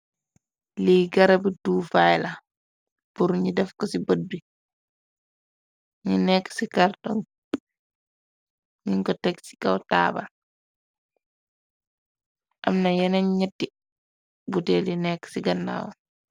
Lii garabi tuu vaila, bur ñi def ko ci bët bi, ñi nekk ci kàrtog, nin ko teg ci kaw taabal, amna yeneen ñtetti butel li nekk ci gannaaw.